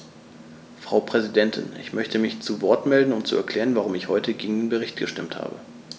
Frau Präsidentin, ich möchte mich zu Wort melden, um zu erklären, warum ich heute gegen den Bericht gestimmt habe.